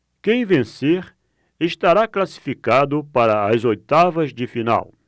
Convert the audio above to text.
quem vencer estará classificado para as oitavas de final